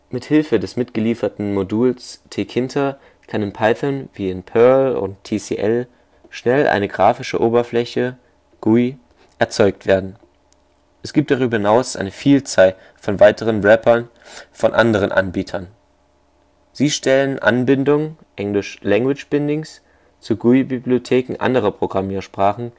Mit Hilfe des mitgelieferten Moduls Tkinter kann in Python (wie in Perl und Tcl) schnell eine grafische Oberfläche (GUI) mit Tk erzeugt werden. Es gibt darüber hinaus eine Vielzahl von weiteren Wrappern von anderen Anbietern. Sie stellen Anbindungen (engl. language bindings) zu GUI-Bibliotheken anderer Programmiersprachen